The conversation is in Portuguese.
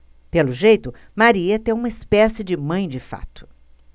pelo jeito marieta é uma espécie de mãe de fato